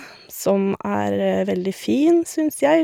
Som er veldig fin, synes jeg.